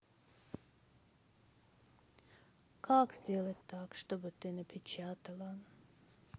как сделать так чтоб ты напечатала